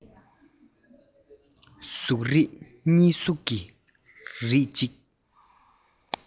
གཟུགས རིས གཉིས གཟུགས རིས གཅིག